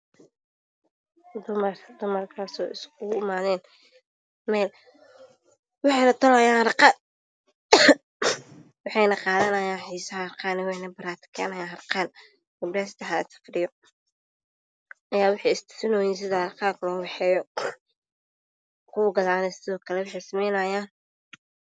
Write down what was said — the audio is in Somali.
Waa dumar badan oo iskugu imaaday meel waxay tulayaan harqaan, waxay kujiraan xiisan wayna baraatikeynayaan, waxay istusinayaan sida harqaanka loo sameeyo way kuwa gadaalna sidoo kale.